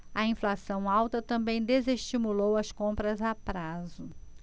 a inflação alta também desestimulou as compras a prazo